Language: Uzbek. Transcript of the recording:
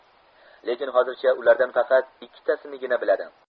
lekin hozircha ulardan faqat ikkitasinigina biladi